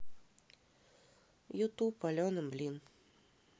ютуб алена блин